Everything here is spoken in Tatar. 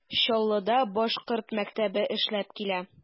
Чаллыда башкорт мәктәбе эшләп килә.